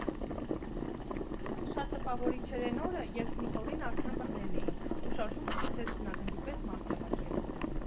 Շատ տպավորիչ էր էն օրը, երբ Նիկոլին արդեն բռնել էին, ու շարժումը սկսեց ձնագնդի պես մարդ հավաքել։